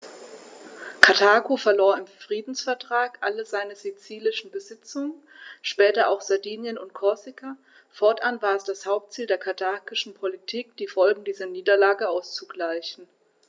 Karthago verlor im Friedensvertrag alle seine sizilischen Besitzungen (später auch Sardinien und Korsika); fortan war es das Hauptziel der karthagischen Politik, die Folgen dieser Niederlage auszugleichen.